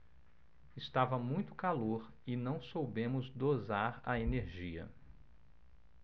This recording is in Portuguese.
estava muito calor e não soubemos dosar a energia